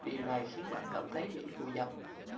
điều này khiến bạn cảm thấy bị vùi dập